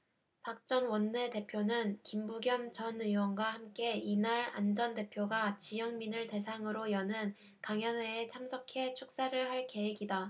박 전 원내대표는 김부겸 전 의원과 함께 이날 안 전 대표가 지역민을 대상으로 여는 강연회에 참석해 축사를 할 계획이다